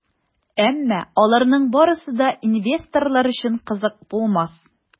Әмма аларның барысы да инвесторлар өчен кызык булмас.